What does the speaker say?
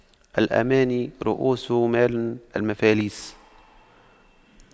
الأماني رءوس مال المفاليس